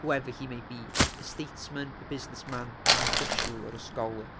Whoever he may be, a statesman, a businessman, an official or a scholar.